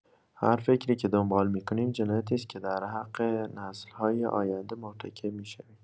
هر فکری که دنبال می‌کنیم، جنایتی است که در حق نسل‌های آینده مرتکب می‌شویم.